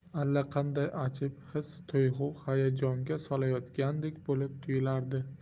allaqanday ajib his tuyg'u hayajonga solayotgandek bo'lib tuyulardi